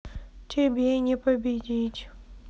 тебе не победить